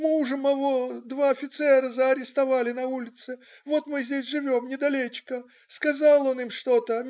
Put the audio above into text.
Мужа маво два офицера заарестовали на улице, вот мы здесь живем недалечека, сказал он им что-то.